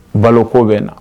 Balo ko bɛ na